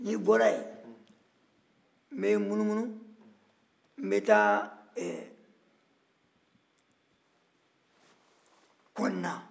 n bɛ bɔ yen n bɛ n munu-munu n bɛ taa kɔnina